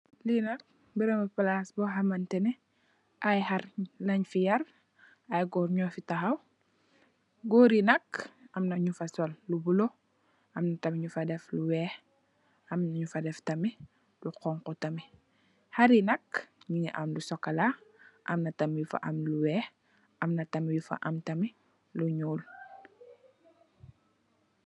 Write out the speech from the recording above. lena mereebuu palas bo xamnatani ay harr len fi yarr ay goor nu fi tahaw goor yi nak am na nu fa sol lu bulu amna tarmit nufa deff lo weex am na nufa deff tarmit lo xongo tarmit harr yi nak mingi am lo sokola am na tarimit nufa nufa am lo weex am na tarimt nfa am tarmit lo nuul.